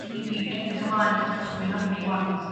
rili edrych ymlaen ca'l cychwyn arni rwan.